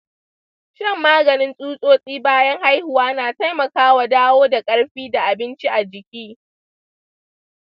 shan maganin tsutsotsi bayan haihuwa na taimakawa dawo da ƙarfi da abinci a jiki.